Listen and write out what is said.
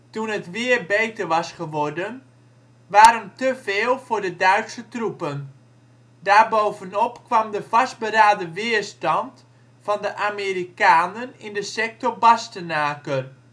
toen het weer beter was geworden) waren teveel voor de Duitse troepen. Daarbovenop kwam de vastberaden weerstand van de Amerikanen in de sector Bastenaken